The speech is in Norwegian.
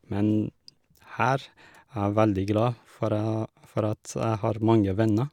Men her jeg er veldig glad for æ a for at jeg har mange venner.